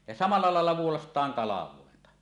ja samalla lailla vuolaistaan kalvointa